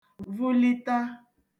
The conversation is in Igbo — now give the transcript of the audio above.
vulita